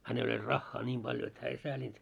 hänellä oli rahaa niin paljon että hän ei säälinyt